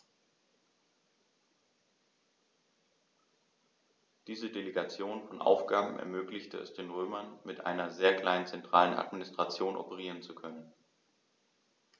Diese Delegation von Aufgaben ermöglichte es den Römern, mit einer sehr kleinen zentralen Administration operieren zu können.